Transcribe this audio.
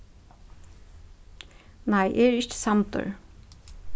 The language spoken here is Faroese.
nei eg eri ikki samdur